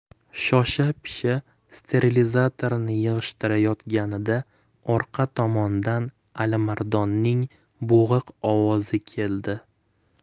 shosha pisha sterilizatorni yig'ishtirayotganida orqa tomondan alimardonning bo'g'iq ovozi keldi